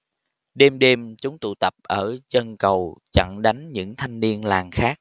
đêm đêm chúng tụ tập ở chân cầu chặn đánh những thanh niên làng khác